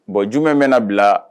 Bon jumɛn bɛ na bila